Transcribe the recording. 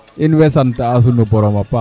in mbay sant a sunu borom a paax